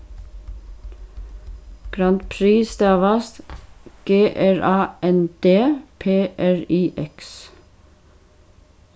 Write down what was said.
grandprix stavast g r a n d p r i x